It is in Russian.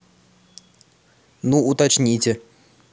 ну уточните